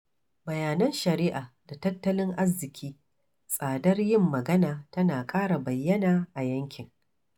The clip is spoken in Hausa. Bayanan shari'a da tattalin arziƙi, tsadar yin magana tana ƙara bayyana a yankin.